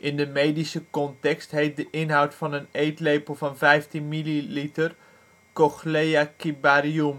de medische context heet de inhoud van een eetlepel van 15 ml ' cochlea cibarium